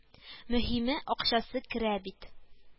Мөһиме акчасы керә бит